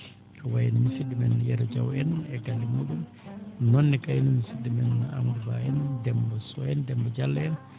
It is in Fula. ko wayi no musidɗo men Yero Diaw en e galle muuɗum noon ne kay musidɗo men Amadou Ba en Demba Sow en Demba Diallo en